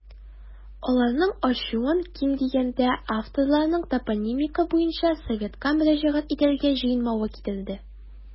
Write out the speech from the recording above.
Аларның ачуын, ким дигәндә, авторларның топонимика буенча советка мөрәҗәгать итәргә җыенмавы китерде.